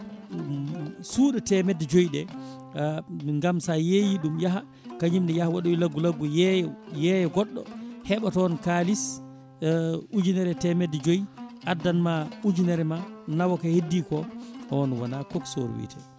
suuɗa temedde jooyi ɗe gaam sa yeeyi yaaha kañumne yaaha waɗoya laggu laggu yeeya yeeya goɗɗo heeɓa toon kaliss ujunere e temedde jooyi addanma ujunere ma naawa ko heddi ko on wona coxeur wiyete